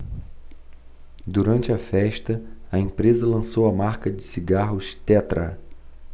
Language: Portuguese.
durante a festa a empresa lançou a marca de cigarros tetra